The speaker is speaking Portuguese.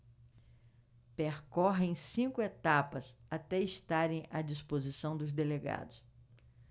percorrem cinco etapas até estarem à disposição dos delegados